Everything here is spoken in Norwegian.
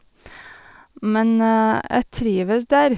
Men jeg trives der.